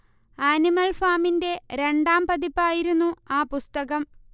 animal ഫാമിന്റെ രണ്ടാം പതിപ്പായിരുന്നു ആ പുസ്തകം